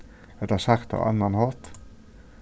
ella sagt á annan hátt